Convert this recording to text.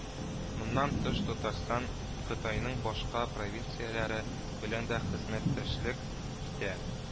Моннан тыш, Татарстан Кытайның башка провинцияләре белән дә хезмәттәшлек итә